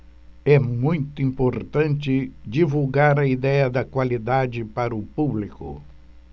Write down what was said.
é muito importante divulgar a idéia da qualidade para o público